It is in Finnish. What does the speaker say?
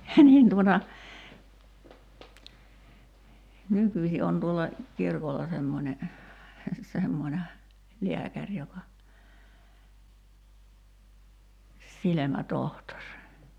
niin tuota nykyisin on tuolla kirkolla semmoinen semmoinen lääkäri joka silmätohtori